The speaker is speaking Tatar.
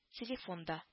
Телефон да